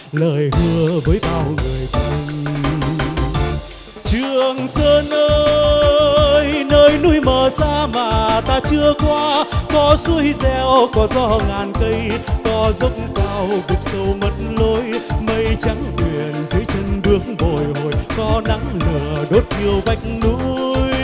lời hứa với bao người thân trường sơn ơi nơi núi mờ xa mà ta chưa qua có suối reo có gió ngàn cây có dốc cao vực sâu mất lối mây trắng quyện dưới chân bước bồi hồi có nắng lửa đốt thiêu vách núi